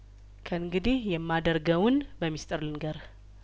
ከእንግዲህ የማደርገውን በሚስጥር ልንገርህ